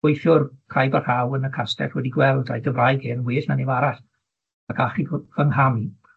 Gweithiwr caib a rhaw yn y castell wedi gweld a'i Gymraeg e'n well na neb arall, ac achub f- fy ngham.